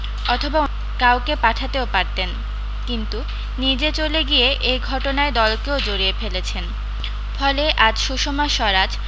অথবা কাউকে পাঠাতেও পারতেন কিন্তু নিজে চলে গিয়ে এই ঘটনায় দলকেও জড়িয়ে ফেলেছেন ফলে আজ সুষমা স্বরাজ